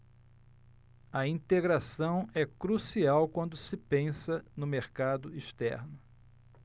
a integração é crucial quando se pensa no mercado externo